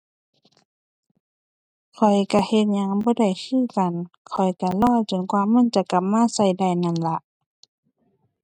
ข้อยก็เฮ็ดหยังบ่ได้คือกัน ข้อยก็รอจนกว่ามันจะกลับมาก็ได้นั่นล่ะ